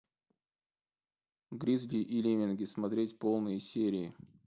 гризли и лемминги смотреть полные серии